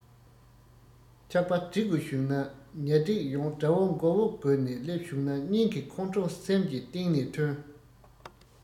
ཆག པ སྒྲིག དགོས བྱུང ན ཉ སྒྲིག ཡོང དགྲ བོ མགོ བོ སྒུར ནས སླེབས བྱུང ན སྙིང གི ཁོང ཁྲོ སེམས ཀྱི གཏིང ནས ཐོན